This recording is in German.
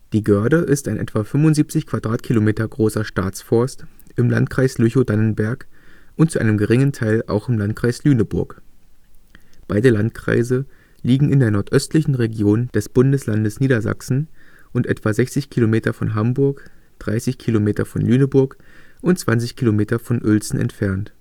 Die Göhrde ist ein etwa 75 Quadratkilometer großer Staatsforst im Landkreis Lüchow-Dannenberg und zu einem geringen Teil auch im Landkreis Lüneburg. Beide Landkreise liegen in der nordöstlichen Region des Bundeslandes Niedersachsen, etwa 60 Kilometer von Hamburg, 30 Kilometer von Lüneburg und 20 Kilometer von Uelzen entfernt